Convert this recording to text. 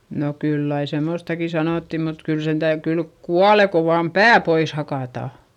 no kyllä aina semmoistakin sanottiin mutta kyllä sen - kyllä kuolee kun vain pää pois hakataan